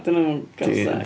Dydi nhw ddim yn cael sex?